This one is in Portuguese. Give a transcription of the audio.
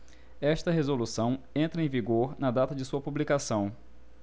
esta resolução entra em vigor na data de sua publicação